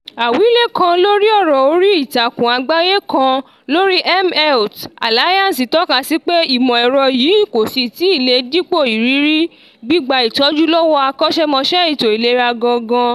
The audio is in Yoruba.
Àwílé kan lórí ọ̀rọ̀ orí ìtàkùn àgbáyé kan lórí mHealth Alliance tọ́ka sí pé ìmọ̀ ẹ̀rọ yìí kò sì tíì lè dípò ìrírí gbígba ìtọ́jú lọ́wọ́ akọ́ṣẹ́mọṣẹ́ ètò ìlera gangan.